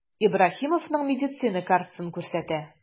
Ибраһимовның медицина картасын күрсәтә.